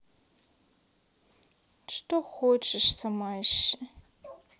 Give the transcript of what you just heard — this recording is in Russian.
что хочешь сама ищи